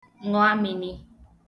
ṅụa mini